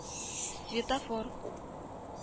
Светофор